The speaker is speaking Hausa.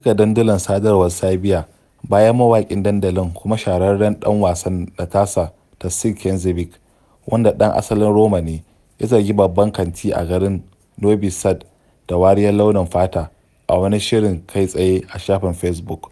An cika dandulan sadarwar Serbia bayan mawaƙin dandali kuma shahararren ɗan wasa Natasa Tasic Knezeɓic, wanda ɗan asalin Roma ne, ya zargi babban kanti a garin Noɓi Sad da wariyar launiya fata a wani shirin kai tsaye a shafin Fesbuk.